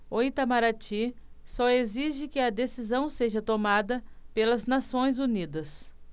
o itamaraty só exige que a decisão seja tomada pelas nações unidas